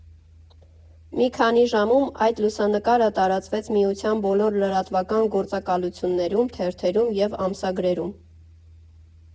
Մի քանի ժամում այդ լուսանկարը տարածվեց Միության բոլոր լրատվական գործակալություններում, թերթերում և ամսագրերում։